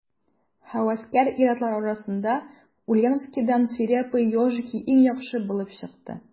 Һәвәскәр ир-атлар арасында Ульяновскидан «Свирепые ежики» иң яхшы булып чыкты.